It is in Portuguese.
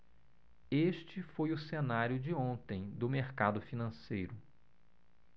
este foi o cenário de ontem do mercado financeiro